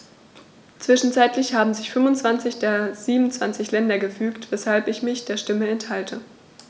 Zwischenzeitlich haben sich 25 der 27 Länder gefügt, weshalb ich mich der Stimme enthalte.